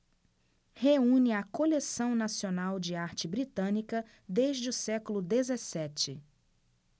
reúne a coleção nacional de arte britânica desde o século dezessete